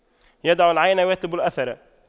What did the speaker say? يدع العين ويطلب الأثر